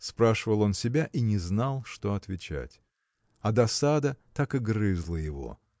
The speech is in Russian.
– спрашивал он себя и не знал, что отвечать. А досада так и грызла его